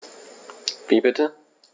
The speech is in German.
Wie bitte?